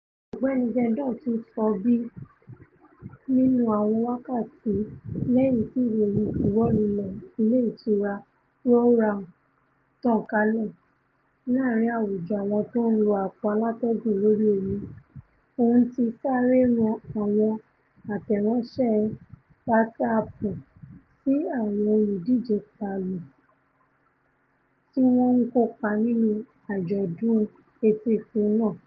Ọ̀gbẹ́ni Gendon tún sọ bí, nínú àwọn wákàtí lẹ́yìn ti ìròyìn ìwólulẹ̀ Ilé Ìtura Roa Roa tàn kalẹ̀ láàrin àwùjọ àwọn tó ńlo àpò alátẹ́gùn lórí omi, òun ti sáré rán àwọn àtẹ̀ránṣẹ́ WhatsApp sí àwọn olùdíje Palu, tí wọ́n ńkópa nínú àjọ̀dún etíkun náà.